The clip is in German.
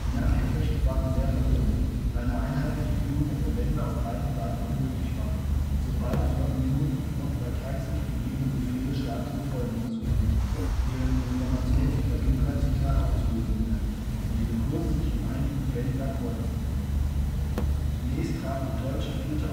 Nachtgefechte waren sehr verwirrend, da eine einheitliche Führung der Verbände auf beiden Seiten unmöglich war und so beide Flotten nur die noch bei Tageslicht gegebenen Befehle starr zu befolgen versuchten, während ihre Formationen sich bei Dunkelheit zum Teil aufzulösen begannen und ihre Kurse sich in einigen Fällen gar kreuzten. Zunächst traf die deutsche IV. Aufklärungsgruppe